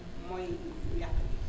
mooy yàq bi